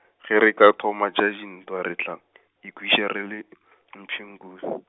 ge re ka thoma tša dintwa re tla, ikhwetša re le , mpšeng kus-.